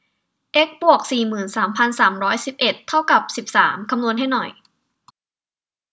เอ็กซ์บวกสี่หมื่นสามพันสามร้อยสิบเอ็ดเท่ากับสิบสามคำนวณให้หน่อย